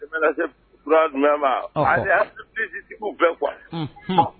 Duman ma ayitigiw bɛɛ kuwa